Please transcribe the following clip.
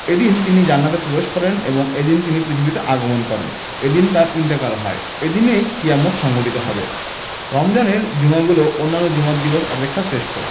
এদিন তিনি জান্নাতে প্রবেশ করেন এবং এদিন তিনি পৃথিবীতে আগমন করেন এদিন তাঁর ইন্তেকাল হয় এদিনেই কিয়ামত সংঘটিত হবে রমজানের জুমাগুলো অন্যান্য জুমার দিবস অপেক্ষা শ্রেষ্ঠ